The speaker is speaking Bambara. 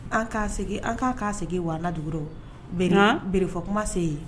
An k'a an k'an k'a segin wa dugu dɔ bɛn nkanelefɔ kumase yen